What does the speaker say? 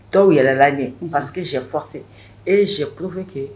Dɔw yɛlɛla ɲɛ pariseke shɛfa e ye si tulofɛ kɛ